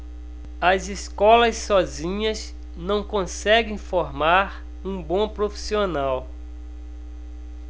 as escolas sozinhas não conseguem formar um bom profissional